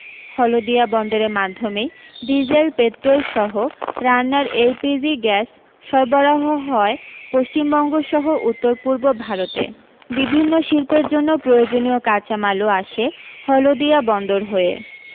হলদিয়া বন্দরের মাধ্যমেই diesel petrol সহ রান্নার এলপিজি গ্যাস সরবরাহ হয় পশ্চিমবঙ্গ সহ উত্তরপূর্ব ভারতে বিভিন্ন শিল্পের জন্য প্রয়োজনীয় কাঁচামালও আসে হলদিয়া বন্দর হয়ে